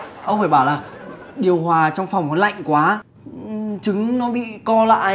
ông phải bảo là điều hòa trong phòng nó lạnh quá ưm trứng nó bị co lại